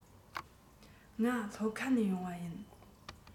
ང ལྷོ ཁ ནས ཡོང པ ཡིན